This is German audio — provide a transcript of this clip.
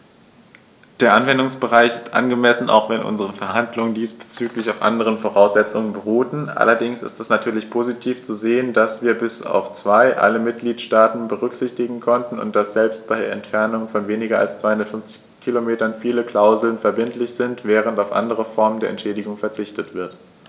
Der Anwendungsbereich ist angemessen, auch wenn unsere Verhandlungen diesbezüglich auf anderen Voraussetzungen beruhten, allerdings ist es natürlich positiv zu sehen, dass wir bis auf zwei alle Mitgliedstaaten berücksichtigen konnten, und dass selbst bei Entfernungen von weniger als 250 km viele Klauseln verbindlich sind, während auf andere Formen der Entschädigung verzichtet wird.